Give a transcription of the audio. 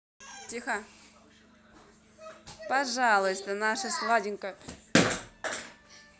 пожалуйста наша сладенькая